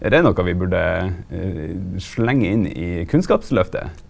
er det noko vi burde slenge inn i Kunnskapsløftet?